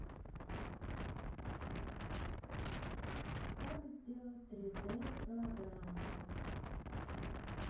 как сделать три дэ голограмму